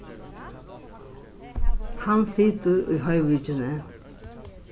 hann situr í hoyvíkini